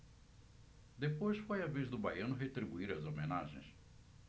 depois foi a vez do baiano retribuir as homenagens